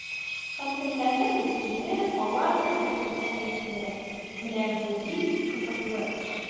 Һәм көннәрдән бер көнне алар бер-берсенә әйттеләр: “Менә бу бик кызыклы эш!”